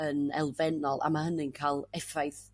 yn elfennol a ma' hynny'n ca'l effaith